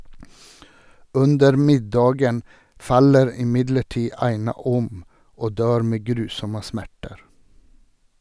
Under middagen faller imidlertid Aina om og dør med grusomme smerter.